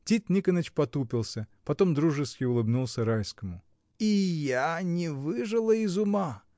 Тит Никоныч потупился, потом дружески улыбнулся Райскому. — И я не выжила из ума!